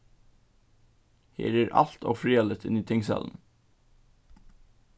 her er alt ófriðarligt inni tingsalinum